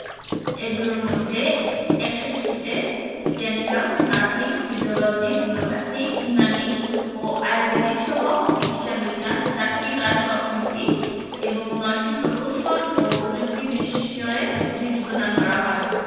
এগুলোর মধ্যে ৬১টিতে dental nursing physiology homeopathy Unani ও আর্য়ুবেদিকসহ চিকিৎসা বিজ্ঞান ৪টি গার্হস্থ্য অর্থনীতি এবং ৯টি প্রকৌশল ও প্রযুক্তি বিষয়ে ডিগ্রি প্রদান করা হয়